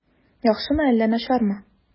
Яхшымы әллә начармы?